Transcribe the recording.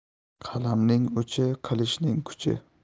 qalamning uchi qihchning kuchi